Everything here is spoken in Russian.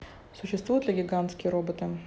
существуют ли гигантские роботы